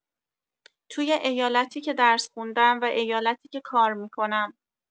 توی ایالتی که درس خوندم و ایالتی که کار می‌کنم